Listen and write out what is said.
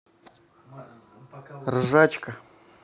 ржачка